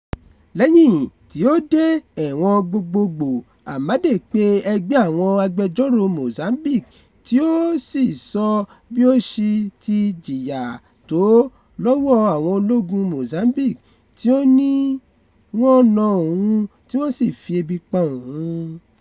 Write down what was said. Lẹ́yìn tí ó dé ẹ̀wọ̀n gbogboògbò, Amade pe ẹgbẹ́ àwọn agbẹjọ́rò Mozambique tí ó sì sọ bí ó ṣe ti jìyà tó lọ́wọ́ àwọn ológun Mozambique tí ó ní wọ́n na òun tí wọ́n sì fi ebi pa òun.